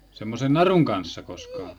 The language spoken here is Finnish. semmoisen narun kanssa koskaan